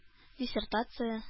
Диссертация